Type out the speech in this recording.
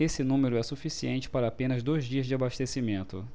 esse número é suficiente para apenas dois dias de abastecimento